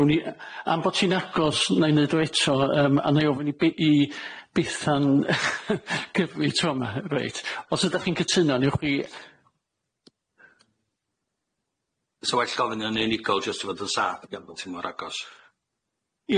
Newn ni, am bot hi'n agos nâi neud o eto yym a nâi ofyn i b- i Bethan cyrfi tro 'ma reit os ydach chi'n cytuno newch chi.... Ss well gofyn yn unigol jyst i fod yn saff gan bot hi mor agos.